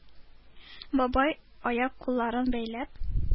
Бабай, аяк-кулларын бәйләп,